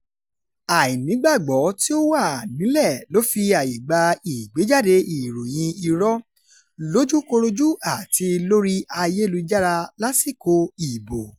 Àìnígbàgbọ́ tí ó wà nílẹ̀ ló fi àyè gba ìgbéjáde ìròyìn irọ́ – lójúkorojú àti lórí ayélujára – lásìkò ìbò.